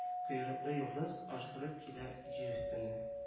Койрыклы йолдыз ажгырып килә җир өстенә